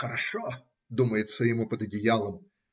"Хорошо, - думается ему под одеялом.